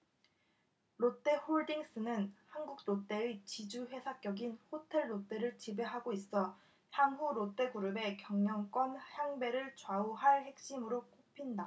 롯데홀딩스는 한국 롯데의 지주회사격인 호텔롯데를 지배하고 있어 향후 롯데그룹의 경영권 향배를 좌우할 핵심으로 꼽힌다